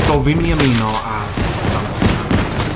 So, fi'n mynd i ymuno â dance class.